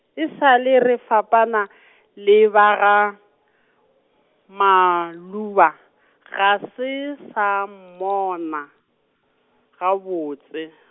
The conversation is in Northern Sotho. e sa le re fapana , le ba ga, Maloba, ga se sa mmona, gabotse.